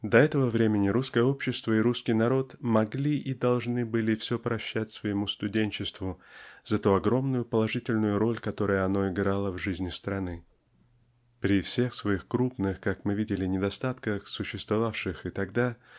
До этого времени русское общество и русский народ могли и должны были все прощать своему студенчеству за ту огромную положительную роль которую оно играло в жизни страны. При всех своих крупных как мы видели недостатках существовавших и тогда